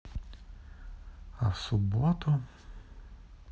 а в субботу